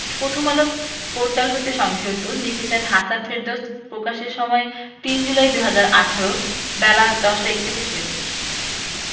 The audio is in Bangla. প্রথমআলো পোর্টাল হতে সংগৃহীত লিখেছেন হাসান ফেরদৌস প্রকাশের সময় ৩ জুলাই ২০১৮ বেলা ১০টা ৪১মিনিট